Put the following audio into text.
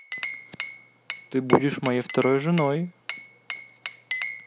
ты будешь моей второй женой